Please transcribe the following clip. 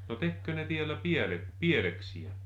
no tekikö ne täällä - pieleksiä